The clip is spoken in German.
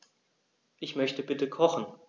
Ich möchte bitte kochen.